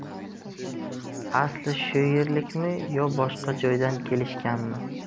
asli shu yerlikmi yo boshqa joydan kelishganmi